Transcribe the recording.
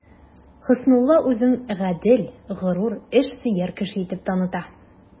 Хөснулла үзен гадел, горур, эшсөяр кеше итеп таныта.